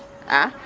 a